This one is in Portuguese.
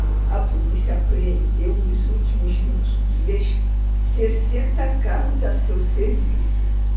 a polícia apreendeu nos últimos vinte dias sessenta carros a seu serviço